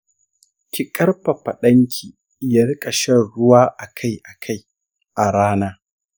ki ƙarfafa danki ya riƙa shan ruwa a kai a kai a rana.